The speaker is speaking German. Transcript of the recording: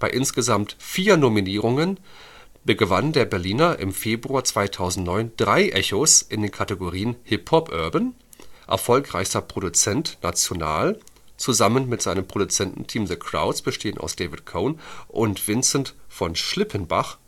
insgesamt vier Nominierungen gewann der Berliner im Februar 2009 drei Echos in den Kategorien Hip-Hop/Urban, Erfolgreichster Produzent/National – zusammen mit seinem Produzententeam The Krauts, bestehend aus David Conen und Vincent von Schlippenbach